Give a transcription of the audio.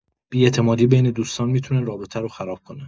بی‌اعتمادی بین دوستان می‌تونه رابطه رو خراب کنه.